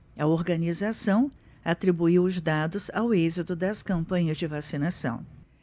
a organização atribuiu os dados ao êxito das campanhas de vacinação